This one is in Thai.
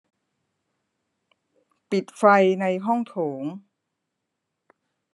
ปิดไฟในห้องโถง